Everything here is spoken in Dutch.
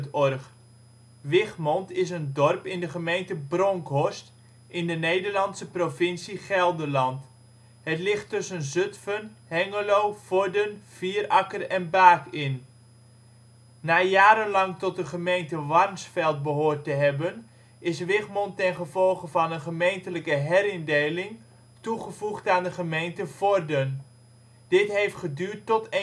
OL Wichmond Plaats in Nederland Situering Provincie Gelderland Gemeente Bronckhorst Coördinaten 52° 5′ NB, 6° 16′ OL Portaal Nederland Wichmond is een dorp in de gemeente Bronckhorst, in de Nederlandse provincie Gelderland. Het ligt tussen Zutphen, Hengelo, Vorden, Vierakker en Baak in. Na jarenlang tot de gemeente Warnsveld behoort te hebben is Wichmond ten gevolge van een gemeentelijke herindeling toegevoegd aan de gemeente Vorden. Dit heeft geduurd tot